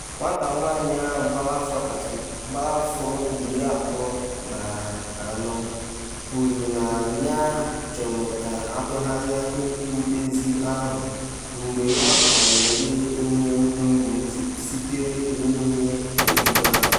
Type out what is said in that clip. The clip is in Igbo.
Nwata nwanyị a gbara afọ 34 kwuru na ya-chọrọ ka atụgharịa mkpezi ahụ ebe ọ ka na-enwe ihe mgbu sitere n’ihe ebubo ahụ.